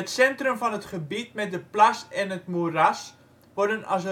centrum van het gebied met de plas en het moeras worden als